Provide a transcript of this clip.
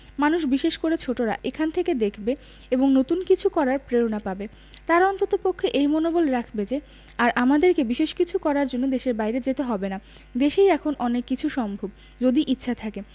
মানুষ বিশেষ করে ছোটরা এখান থেকে দেখবে এবং নতুন কিছু করার প্রেরণা পাবে তারা অন্ততপক্ষে এই মনোবল রাখবে যে আর আমাদেরকে বিশেষ কিছু করার জন্য দেশের বাইরে যেতে হবে না দেশেই এখন অনেক কিছু সম্ভব যদি ইচ্ছা থাকে